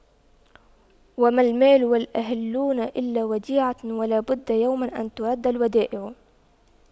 وما المال والأهلون إلا وديعة ولا بد يوما أن تُرَدَّ الودائع